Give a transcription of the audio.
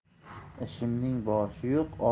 ishimning boshi yo'q